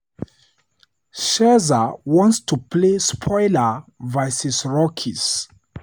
Scherzer wants to play spoiler vs. Rockies